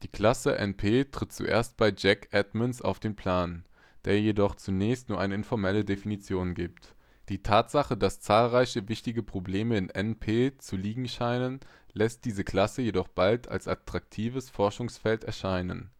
Klasse NP tritt zuerst bei Jack Edmonds auf den Plan, der jedoch zunächst nur eine informelle Definition gibt. Die Tatsache, dass zahlreiche wichtige Probleme in NP zu liegen scheinen, lässt diese Klasse jedoch bald als attraktives Forschungsfeld erscheinen